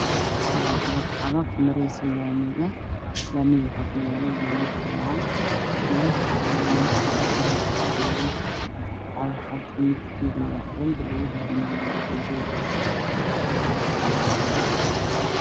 Waa cagaf cagaf marayso laamiga waxaa kuyaalo geed talaal, cagaf cagaf tu waa jaale lugaheedu waa madow.